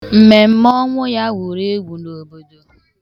Mmemme ọnwụ ya wuru ewu n'obodo.